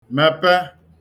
mèpe